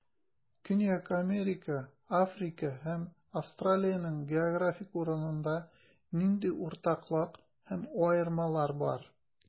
Көньяк Америка, Африка һәм Австралиянең географик урынында нинди уртаклык һәм аермалар бар?